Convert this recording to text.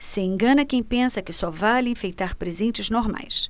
se engana quem pensa que só vale enfeitar presentes normais